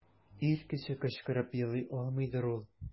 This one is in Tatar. Ир кеше кычкырып елый алмыйдыр ул.